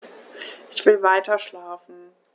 Ich will weiterschlafen.